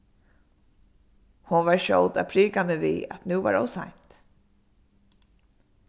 hon var skjót at prika meg við at nú var ov seint